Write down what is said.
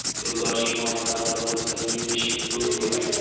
yo'ldoshing olaqarg'a bo'lsa yemishing go'ng bo'lar